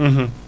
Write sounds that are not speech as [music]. [hesitation] [hesitation]